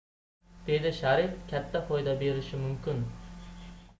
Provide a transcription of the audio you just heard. dedi sharif katta foyda berishi mumkin